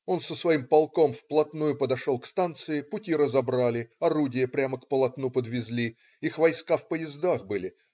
Он с своим полком вплотную подошел к станции, пути разобрали, орудие прямо к полотну подвезли. Их войска в поездах были.